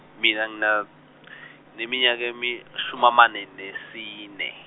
mina ngina ngineminyaka emi- eyishumamane nesine.